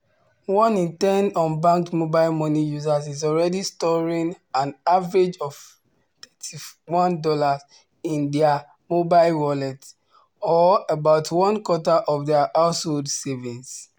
One in ten unbanked mobile money users is already storing an average of $31 in their mobile wallet, or about one-quarter of their household savings.